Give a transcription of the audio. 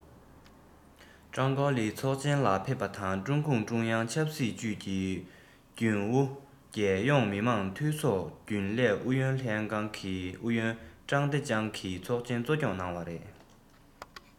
ཀྲང ཀའོ ལི ཚོགས ཆེན ལ ཕེབས པ དང ཀྲུང གུང ཀྲུང དབྱང ཆབ སྲིད ཅུས ཀྱི རྒྱུན ཨུ རྒྱལ ཡོངས མི དམངས འཐུས ཚོགས རྒྱུན ལས ཨུ ཡོན ལྷན ཁང གི ཨུ ཡོན ཀྲང ཀྲང ཏེ ཅང གིས ཚོགས ཆེན གཙོ སྐྱོང གནང བ རེད